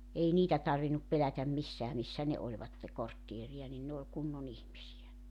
ei niitä tarvinnut pelätä missään missä ne olivat kortteeria niin ne oli kunnon ihmisiä